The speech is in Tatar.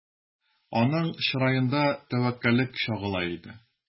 Аның чыраенда тәвәккәллек чагыла иде.